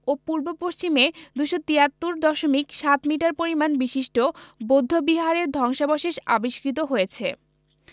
ও পূর্ব পশ্চিমে ২৭৩ দশমিক সাত মিটার পরিমান বিশিষ্ট বৌদ্ধ বিহারের ধ্বংসাবশেষ আবিষ্কৃত হয়েছে